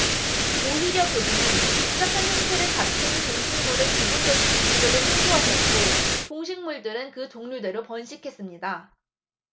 오히려 그분은 복잡한 형태를 갖춘 동식물을 기본적인 종류별로 창조하셨고 동식물들은 그 종류대로 번식했습니다